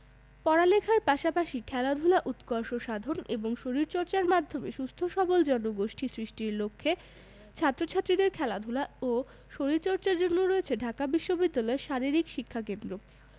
পড়ালেখার পাশাপাশি খেলাধুলার উৎকর্ষ সাধন এবং শরীরচর্চার মাধ্যমে সুস্থ সবল জনগোষ্ঠী সৃষ্টির লক্ষ্যে ছাত্র ছাত্রীদের খেলাধুলা ও শরীরচর্চার জন্য রয়েছে ঢাকা বিশ্ববিদ্যালয়ে শারীরিক শিক্ষাকেন্দ্র